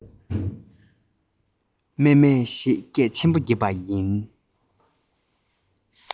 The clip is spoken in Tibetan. མཱེ མཱེ ཞེས སྐད ཆེན པོ བརྒྱབ པ ཡིན